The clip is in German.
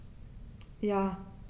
Ja.